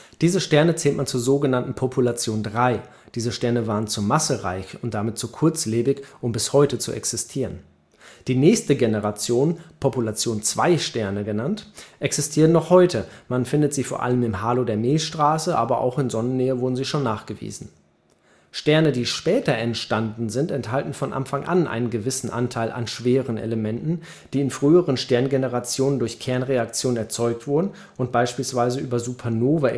Diese Sterne zählt man zur so genannten Population III, diese Sterne waren zu massereich und somit kurzlebig, um bis heute zu existieren. Die nächste Generation, Population-II-Sterne genannt, existieren noch heute, man findet sie vor allem im Halo der Milchstraße, aber auch in Sonnennähe wurden sie nachgewiesen. Sterne, die später entstanden sind, enthalten von Anfang an einen gewissen Anteil an schweren Elementen, die in früheren Sterngenerationen durch Kernreaktionen erzeugt wurden und beispielsweise über Supernova-Explosionen